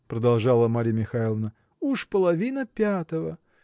– продолжала Марья Михайловна, – уж половина пятого.